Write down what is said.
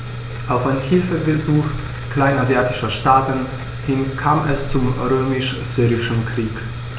Auf ein Hilfegesuch kleinasiatischer Staaten hin kam es zum Römisch-Syrischen Krieg.